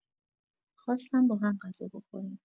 خواستم باهم غذا بخوریم.